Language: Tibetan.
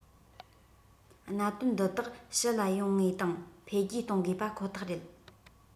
གནད དོན འདི དག ཕྱི ལ ཡོང ངེས དང འཕེལ རྒྱས གཏོང དགོས པ ཁོ ཐག རེད